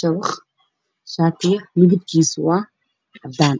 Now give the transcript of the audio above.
shaati cadaan ah